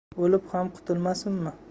o'lib ham qutulmasinmi